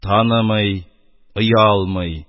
Танымый, оялмый;